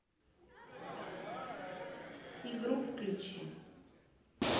игру включи